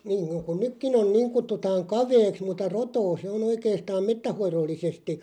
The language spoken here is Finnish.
niin kuin niin kuin nytkin on niin kutsutaan kaveeksi mutta rotoa se on oikeastaan metsänhoidollisesti